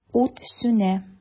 Ут сүнә.